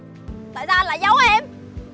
tại sao anh lại giấu em